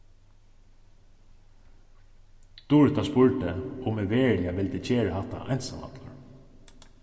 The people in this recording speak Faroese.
durita spurdi um eg veruliga vildi gera hatta einsamallur